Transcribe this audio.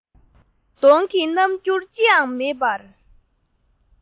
གདོང གི རྣམ འགྱུར ཅི ཡང མེད པར